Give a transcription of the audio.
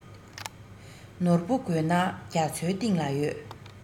ནོར བུ དགོས ན རྒྱ མཚོའི གཏིང ལ ཡོད